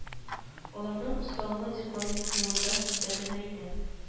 Аларның осталыгы декламационда сүздә генә иде